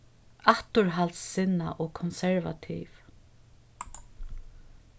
afturhaldssinnað og konservativ